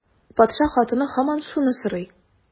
Патша хатыны һаман шуны сорый.